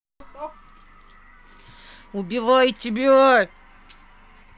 убивай тебя